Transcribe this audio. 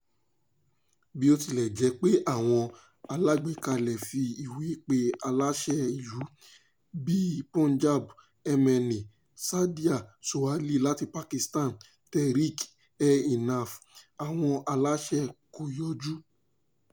Bí ó tilẹ̀ jé pé àwọn alágbèékalẹ̀ fi ìwé pe aláṣẹ ìlú, bí i Punjab MNA Saadia Sohail láti Pakistan Tehreek e Insaf, àwọn aláṣẹ kò yọjú.